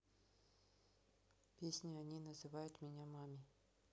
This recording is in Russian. песня они называют меня мами